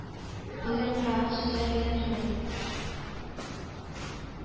Бу яңгыравык сүзләр генә түгел